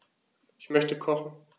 Ich möchte kochen.